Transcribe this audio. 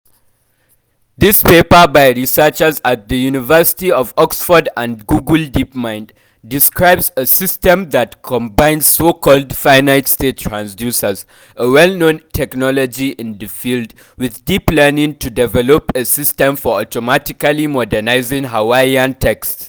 This paper, by researchers at the University of Oxford and Google Deep Mind, describes a system that combines so-called “finite state transducers”, a well-known technology in the field, with deep learning to develop a system for automatically modernizing Hawaiian texts.